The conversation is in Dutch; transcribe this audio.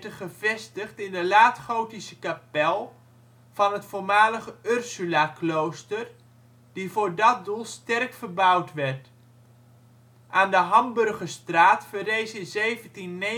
gevestigd in de laat-gotische kapel van het voormalige Ursulaklooster, die voor dat doel sterk verbouwd werd. Aan de Hamburgerstraat verrees in 1749 een